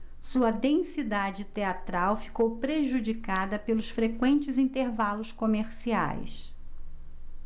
sua densidade teatral ficou prejudicada pelos frequentes intervalos comerciais